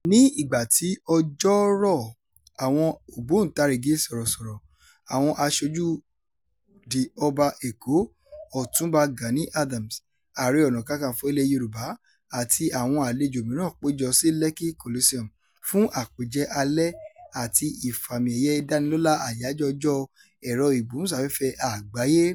Ní ìgbàtí ọjọ́ rọ̀, àwọn ògbóǹtarìgì sọ̀rọ̀sọ̀rọ̀, àwọn aṣojú the Ọba Èkó, Ọ̀túnba Gani Adams, Ààrẹ Ọ̀nà Kakanfò ilẹ̀ẹ Yorùbá àti àwọn àlejò mìíràn péjọ sí Lekki Coliseum fún àpèjẹ alẹ́ àti ìfàmìẹ̀yẹ dánilọ́lá Àyájọ́ Ọjọ́ Ẹ̀rọ-ìgbóhùnsáfẹ́fẹ́ Àgbáyé.